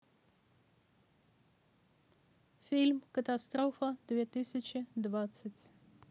фильм катастрофа две тысячи двенадцать